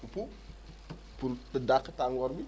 uppu pour di dàq tàngoor bi